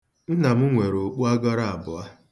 Nna m nwere okpuagọrọ abụọ.